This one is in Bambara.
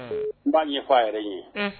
N b'a ɲɛ ɲɛfɔ a yɛrɛ ye